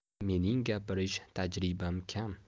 mening gapirish tajribam kam